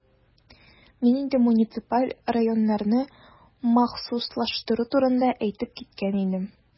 Мин инде муниципаль районнарны махсуслаштыру турында әйтеп киткән идем.